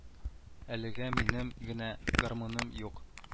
Әлегә минем генә гармуным юк